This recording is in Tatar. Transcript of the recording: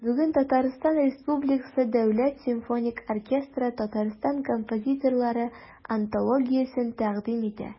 Бүген ТР Дәүләт симфоник оркестры Татарстан композиторлары антологиясен тәкъдим итә.